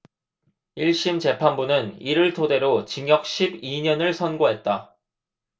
일 심 재판부는 이를 토대로 징역 십 이 년을 선고했다